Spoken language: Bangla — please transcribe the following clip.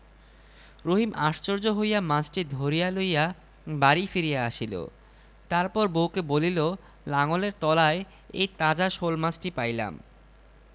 রহিম আশ্চর্য হইয়া মাছটি ধরিয়া লইয়া বাড়ি ফিরিয়া আসিল তারপর বউকে বলিল লাঙলের তলায় এই তাজা শোলমাছটি পাইলাম